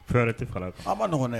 Fɛɛrɛ tɛ fara an ma nɔgɔɛ